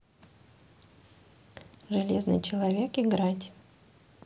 железный человек играть